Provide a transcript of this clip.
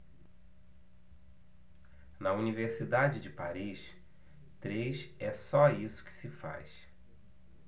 na universidade de paris três é só isso que se faz